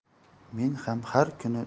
men ham har kuni